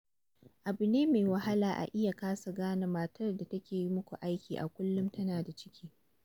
Abu ne mai wahala a iya kasa gane matar da take yi muku aiki a kullum tana da ciki.